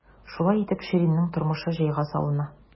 Шулай итеп, Ширинның тормышы җайга салына.